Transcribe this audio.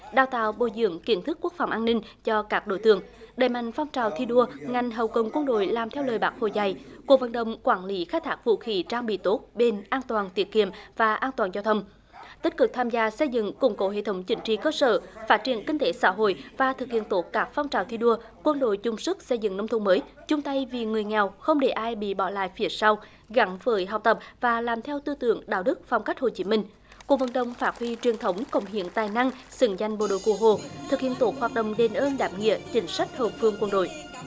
đào tạo bồi dưỡng kiến thức quốc phòng an ninh cho các đối tượng đẩy mạnh phong trào thi đua ngành hậu cần quân đội làm theo lời bác hồ dạy cuộc vận động quản lý khai thác vũ khí trang bị tốt bền an toàn tiết kiệm và an toàn giao thông tích cực tham gia xây dựng củng cố hệ thống chính trị cơ sở phát triển kinh tế xã hội và thực hiện tốt các phong trào thi đua quân đội chung sức xây dựng nông thôn mới chung tay vì người nghèo không để ai bị bỏ lại phía sau gắn với học tập và làm theo tư tưởng đạo đức phong cách hồ chí minh cuộc vận động phát huy truyền thống cống hiến tài năng xứng danh bộ đội cụ hồ thực hiện tổ hoạt động đền ơn đáp nghĩa chính sách hậu phương quân đội